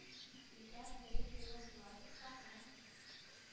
Илдар Фәрит улы Булатовка һәм